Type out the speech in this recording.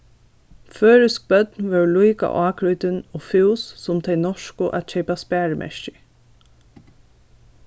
føroysk børn vóru líka ágrýtin og fús sum tey norsku at keypa sparimerkir